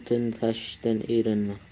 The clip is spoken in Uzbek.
o'tin tashishdan erinma